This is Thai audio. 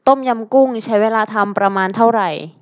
ต้มยำกุ้งใช้เวลาทำประมาณเท่าไหร่